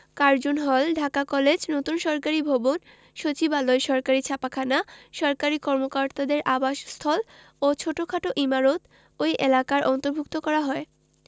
Curzon Hall Dhaka College নতুন সরকারি ভবন সচিবালয় সরকারি ছাপাখানা সরকারি কর্মকর্তাদের আবাসস্থল ও ছোটখাট ইমারত ওই এলাকার অন্তর্ভুক্ত করা হয়